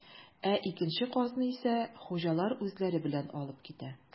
Ә икенче казны исә хуҗалар үзләре белән алып китә.